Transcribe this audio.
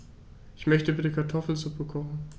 Ich möchte bitte Kartoffelsuppe kochen.